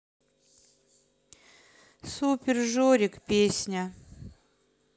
супер жорик песня